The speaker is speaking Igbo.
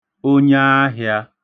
onyaahị̄ā